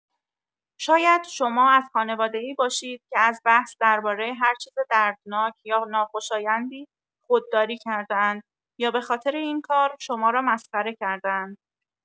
شاید شما از خانواده‌ای باشید که از بحث درباره هر چیز دردناک یا ناخوشایندی خودداری کرده‌اند یا به‌خاطر این کار شما را مسخره کرده‌اند.